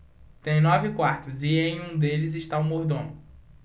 tem nove quartos e em um deles está o mordomo